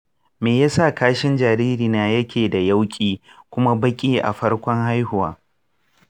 me ya sa kashin jaririna yake da yauƙi kuma baƙi a farkon haihuwa?